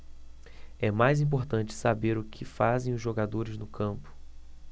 é mais importante saber o que fazem os jogadores no campo